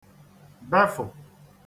befụ̀